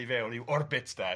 ...i fewn i'w orbit de.